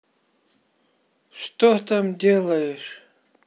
что там делаешь